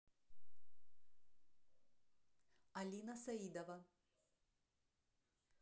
алина саидова